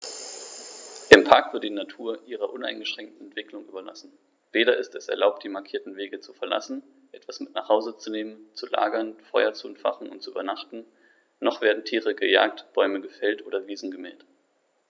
Im Park wird die Natur ihrer uneingeschränkten Entwicklung überlassen; weder ist es erlaubt, die markierten Wege zu verlassen, etwas mit nach Hause zu nehmen, zu lagern, Feuer zu entfachen und zu übernachten, noch werden Tiere gejagt, Bäume gefällt oder Wiesen gemäht.